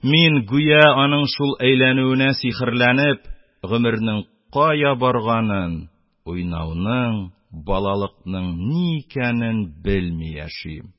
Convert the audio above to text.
Мин, гүя, аның шул әйләнүенә сихерләнеп, гомернең кая барганын, уйнауның балалыкның ни икәнен белми яшим.